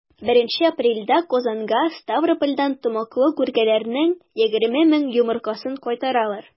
1 апрельдә казанга ставропольдән токымлы күркәләрнең 20 мең йомыркасын кайтаралар.